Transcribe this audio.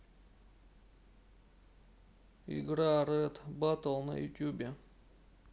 игра рэд батл на ютубе